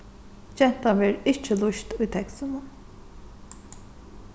gentan verður ikki lýst í tekstinum